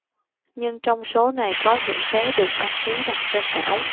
nhưng trong số này có những vé được đăng ký bằng tên ảo